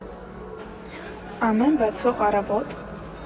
Ամեն բացվող առավոտ։